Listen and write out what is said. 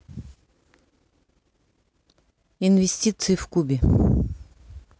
инвестиции в кубе